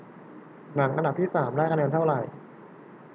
หนังอันดับสามได้คะแนนเท่าไหร่